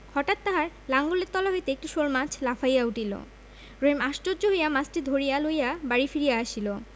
হঠাৎ তাহার লাঙলের তলা হইতে একটি শোলমাছ লাফাইয়া উঠিল রহিম আশ্চর্য হইয়া মাছটি ধরিয়া লইয়া বাড়ি ফিরিয়া আসিল